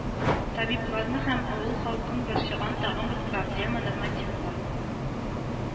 Табибларны һәм авыл халкын борчыган тагын бер проблема нормативлар